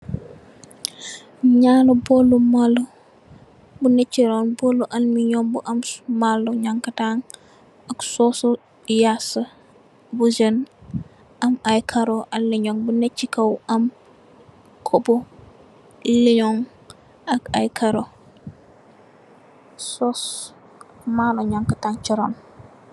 Njaaru borli maalor, bu neh chii ron borlu aluminium bu am maalor njankatan ak sauce su yassa bu jeun, am aiiy kaaroh aluminium, bu neh chi kaw am koboh, linjon ak aiiy karoh, sauce maalor njankatan ci ron.